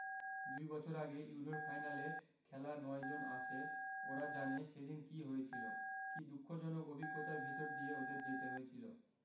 দুই বছর আগে ইউরোর ফাইনালে খেলা ৯ জন আছে ওরা জানে সেদিন কী হয়েছিল কী দুঃখজনক অভিজ্ঞতার ভেতর দিয়ে ওদের যেতে হয়েছিল